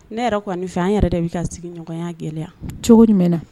Ne yɛrɛ kɔni fɛ an yɛrɛ de bɛ ka sigiɲɔgɔnya gɛlɛya, cogo jumɛn na